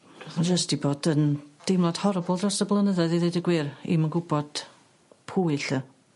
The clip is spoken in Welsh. Ma' jyst 'di bod yn deimlad horible drost y blynyddoedd i ddeud y gwir 'im yn gwbod pwy 'lly...